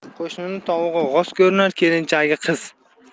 qo'shnining tovug'i g'oz ko'rinar kelinchagi qiz